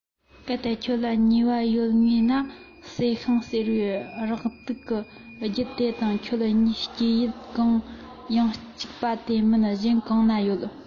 གལ ཏེ ཁྱོད ལ ཉེ བ ཡོད ངེས ན བསེ ཤིང ཟེར བའི རེག དུག གི རྒྱུ དེ དང ཁྱོད གཉིས སྐྱེ ཡུལ ཡང གཅིག པས དེ མིན གཞན གང ན ཡོད